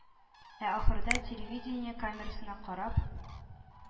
Ә ахырда телевидение камерасына карап,